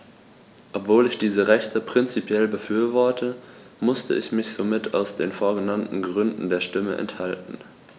Obwohl ich diese Rechte prinzipiell befürworte, musste ich mich somit aus den vorgenannten Gründen der Stimme enthalten.